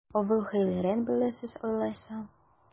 Авыл хәлләрен беләсез алайса?